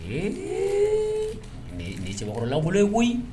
Ee nin cɛkɔrɔbalangolo ye koyi